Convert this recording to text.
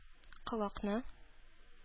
Колакны